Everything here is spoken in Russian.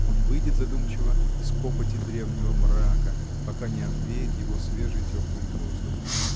Он выйдет задумчиво из копоти древнего мрака, пока не обвеет его свежий, теплый воздух.